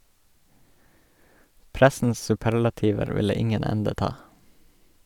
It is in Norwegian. Pressens superlativer ville ingen ende ta.